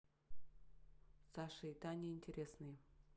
саша и таня интересные